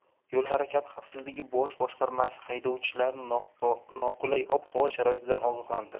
yo'l harakati xavfsizligi bosh boshqarmasi haydovchilarni noqulay ob havo sharoitidan ogohlantirdi